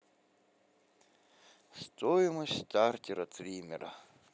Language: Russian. стоимость стартера триммера